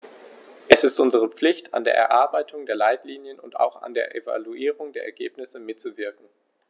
Es ist unsere Pflicht, an der Erarbeitung der Leitlinien und auch an der Evaluierung der Ergebnisse mitzuwirken.